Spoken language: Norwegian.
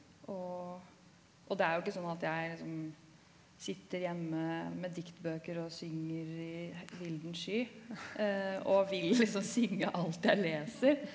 og og det er jo ikke sånn at jeg liksom sitter hjemme med diktbøker og synger i vilden sky og vil liksom synge alt jeg leser.